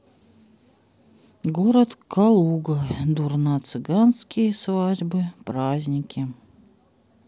город калуга дурна цыганские свадьбы праздники